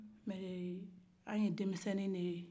ee an ye denmisen nu de ye